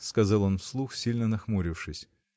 – сказал он вслух, сильно нахмурившись.